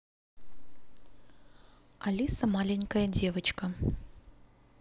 алиса маленькая девочка